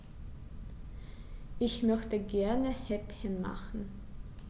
Ich möchte gerne Häppchen machen.